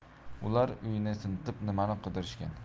ular uyni tintib nimani qidirishgan